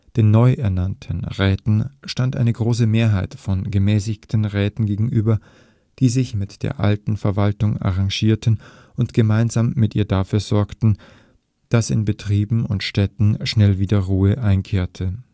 Den neu ernannten Räten stand eine große Mehrheit von gemäßigten Räten gegenüber, die sich mit der alten Verwaltung arrangierten und gemeinsam mit ihr dafür sorgten, dass in Betrieben und Städten schnell wieder Ruhe einkehrte